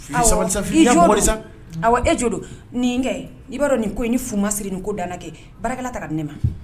E jɔ nin kɛ i b'a dɔn nin ko i ni fma siri nin ko dan kɛ barakɛla ta ne ma